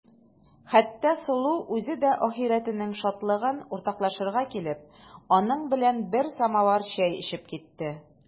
Хәтта Сылу үзе дә ахирәтенең шатлыгын уртаклашырга килеп, аның белән бер самавыр чәй эчеп китте.